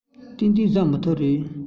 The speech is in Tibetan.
ཏན ཏན བཟའ ཐུབ མ རེད